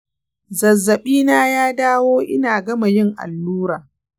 zazzaɓi na ya dawo ina gama yin allura.